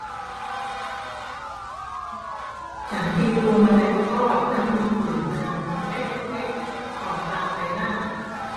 ฉันกินตัวแมลงทอดแล้วมีผื่นคันเม็ดเล็กเล็กออกตามใบหน้า